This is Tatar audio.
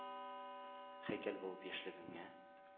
Һәйкәл булып яшьлегеңә